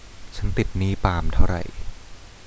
ฉันติดหนี้ปาล์มเท่าไร